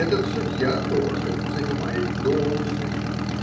Этот судья тоже занимает должность.